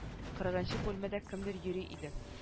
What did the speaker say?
Кырыгынчы бүлмәдә кемдер йөри иде